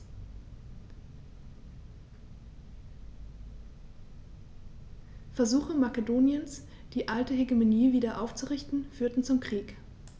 Versuche Makedoniens, die alte Hegemonie wieder aufzurichten, führten zum Krieg.